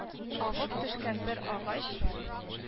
Авып төшкән бер агач